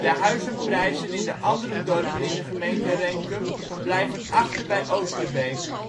huizenprijzen in de andere dorpen in de Gemeente Renkum blijven achter bij Oosterbeek